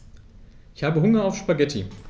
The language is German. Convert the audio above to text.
Ich habe Hunger auf Spaghetti.